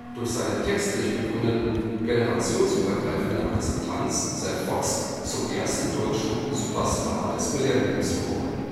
Durch seine textlich begründete generationenübergreifende Akzeptanz sei Fox zum ersten deutschen „ Superstar des Millenniums “geworden